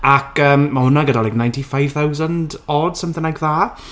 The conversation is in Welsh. Ac yym, ma' hwnna gyda like ninety five thousand odd? Something like that?